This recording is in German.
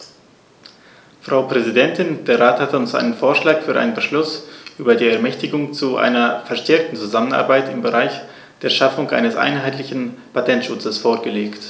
Frau Präsidentin, der Rat hat uns einen Vorschlag für einen Beschluss über die Ermächtigung zu einer verstärkten Zusammenarbeit im Bereich der Schaffung eines einheitlichen Patentschutzes vorgelegt.